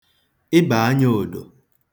ịbàanyaèdò